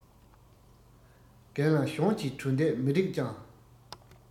རྒན ལ གཞོན གྱིས གྲོས འདེབས མི རིགས ཀྱང